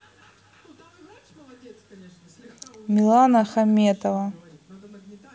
милана хаметова